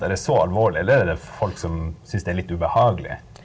er det så alvorlig, eller er det folk som synes det er litt ubehagelig?